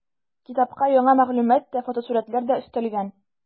Китапка яңа мәгълүмат та, фотосурәтләр дә өстәлгән.